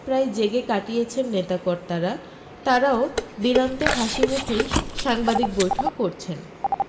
প্রায় জেগে কাটিয়েছেন নেতা কর্তারা তাঁরাও দিনান্তে হাসিমুখেই সাংবাদিক বৈঠক করছেন